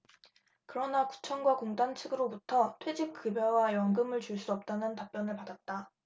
그러나 구청과 공단 측으로부터 퇴직급여와 연금을 줄 수 없다는 답변을 받았다